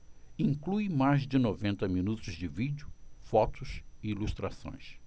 inclui mais de noventa minutos de vídeo fotos e ilustrações